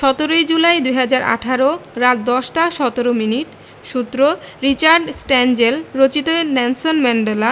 ১৭ই July ২০১৮ রাত ১০টা ১৭ মিনিট সূত্র রিচার্ড স্ট্যানজেল রচিত নেনসন ম্যান্ডেলা